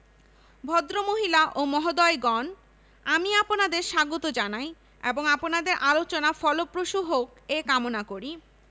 ভদ্রমহিলা ও মহোদয়গণ আমি আপনাদের সাদর স্বাগত জানাই এবং আপনাদের আলোচনা ফলপ্রসূ হোক এ কামনা করি